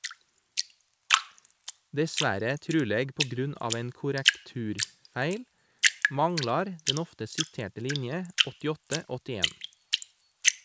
Dessverre, truleg pga. ein korrekturfeil, manglar den ofte siterte linje 8881.